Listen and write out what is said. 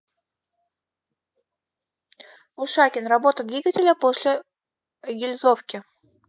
ушакин работа двигателя после гильзовки